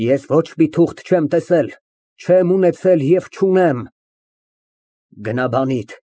Ես ոչ մի թուղթ չեմ տեսել, չեմ ունեցել և չունեմ, գնա բանիդ։